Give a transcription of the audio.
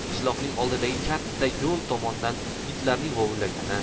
qishloqning oldidagi katta yo'l tomondan itlarning vovullagani